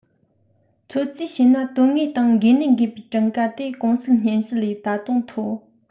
ཚོད རྩིས བྱས ན དོན དངོས སྟེང འགོས ནད འགོས པའི གྲངས ཀ དེ གོང གསལ སྙན ཞུ ལས ད དུང མཐོ